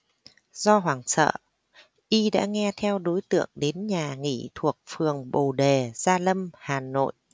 do hoảng sợ y đã nghe theo đối tượng đến nhà nghỉ thuộc phường bồ đề gia lâm hà nội